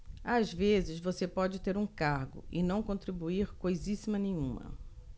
às vezes você pode ter um cargo e não contribuir coisíssima nenhuma